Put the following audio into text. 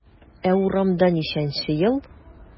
Ә урамда ничәнче ел?